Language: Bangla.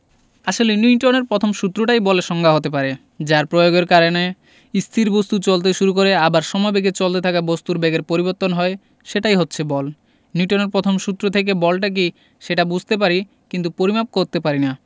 আসলে নিউটনের প্রথম সূত্রটাই বলের সংজ্ঞা হতে পারে যার প্রয়োগের কারণে স্থির বস্তু চলতে শুরু করে আর সমবেগে চলতে থাকা বস্তুর বেগের পরিবর্তন হয় সেটাই হচ্ছে বল নিউটনের প্রথম সূত্র থেকে বলটা কী সেটা বুঝতে পারি কিন্তু পরিমাপ করতে পারি না